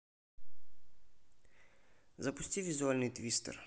запусти визуальный твистер